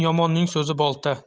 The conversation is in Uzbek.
yomonning so'zi bolta